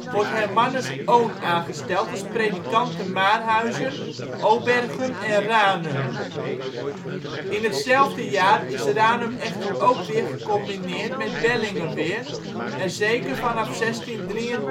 wordt Hermannus Oon aangesteld als predikant te Maarhuizen, Obergum en Ranum. In hetzelfde jaar is Ranum echter ook weer gecombineerd met Bellingeweer en zeker vanaf 1683